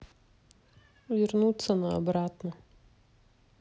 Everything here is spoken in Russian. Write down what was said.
вернуться на обратно